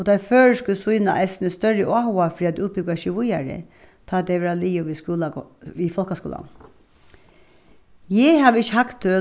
og teir føroysku sýna eisini størri áhuga fyri at útbúgva seg víðari tá tey verða liðug við skúla við fólkaskúlan eg havi ikki hagtøl